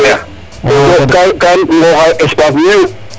To kan nqooxaa espace neewu